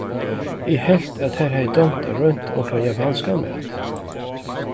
eg helt at tær hevði dámt at roynt onkran japanskan mat